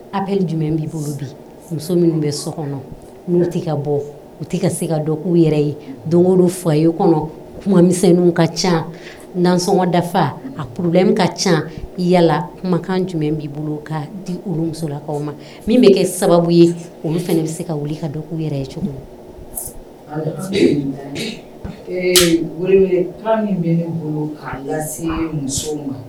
A jumɛn b'i bolo bi muso minnu bɛ so kɔnɔ tɛ ka bɔ u tɛ ka se kaw yɛrɛ ye don fa a ye o kɔnɔ kumamisɛnw ka ca nansɔnma dafa aoroda ka ca yalala kumakan jumɛn b'i bolo ka di olu musolakaw ma min bɛ kɛ sababu ye olu fana bɛ se ka wuli ka yɛrɛ ye cogo min bɛ bolo